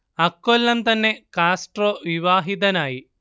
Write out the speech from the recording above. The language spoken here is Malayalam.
അക്കൊല്ലം തന്നെ കാസ്ട്രോ വിവാഹിതനായി